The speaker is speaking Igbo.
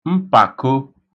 mpàko